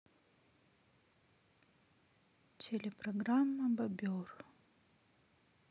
телепрограмма бобер